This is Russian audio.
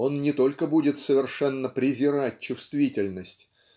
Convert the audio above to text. он не только будет совершенно презирать чувствительность.